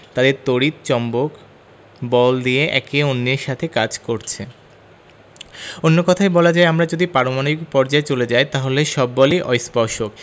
তাদের তড়িৎ চৌম্বক বল দিয়ে একে অন্যের সাথে কাজ করছে অন্য কথায় বলা যায় আমরা যদি পারমাণবিক পর্যায়ে চলে যাই তাহলে সব বলই অস্পর্শক